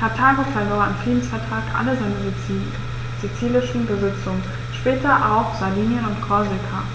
Karthago verlor im Friedensvertrag alle seine sizilischen Besitzungen (später auch Sardinien und Korsika);